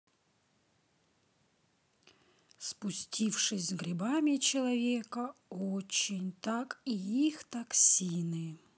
спустившись с грибами человека очень так и их токсины